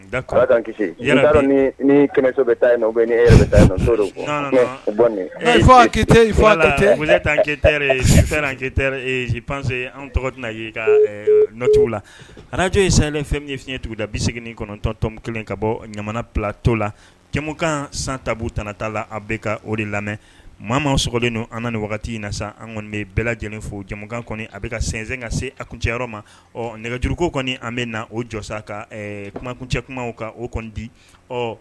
Sip panse an tɔgɔ kacogo la arajo ye sa fɛn fiɲɛɲɛ tuguda bi segin kɔnɔntɔntɔn kelen ka bɔ ɲamana patɔ la cɛmankan santa tta la a bɛ ka o de lamɛn maa ma slen don an nin wagati in na an kɔni bɛ bɛɛ lajɛlen fo jamukan kɔni a bɛ ka sensɛn ka se a kuncɛyɔrɔ ma ɔ nɛgɛjuruko kɔni an bɛ na o jɔsa ka kumakuncɛ kuma ka o kɔni di ɔ